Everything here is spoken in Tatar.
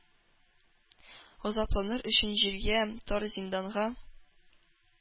Газапланыр өчен җиргә, тар зинданга.